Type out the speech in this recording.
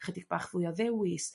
'Chydig bach fwy o ddewis.